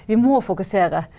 vi må fokusere.